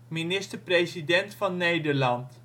minister-president van Nederland